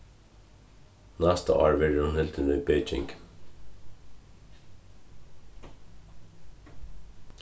næsta ár verður hon hildin í beijing